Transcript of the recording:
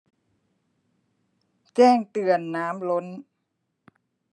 แจ้งเตือนน้ำล้น